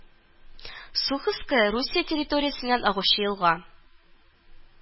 Суховская Русия территориясеннән агучы елга